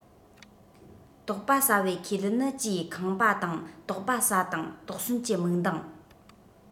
དོགས པ ཟ བའི ཁས ལེན ནི གྱིས ཁེངས པ དང དོགས པ ཟ དང དོགས ཟོན གྱི མིག མདངས